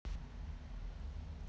у нас тут сесть стук сверху